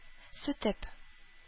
Сүтеп